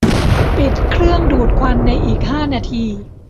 ปิดเครื่องดูดควันในอีกห้านาที